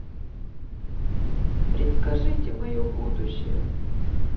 предскажите мое будущее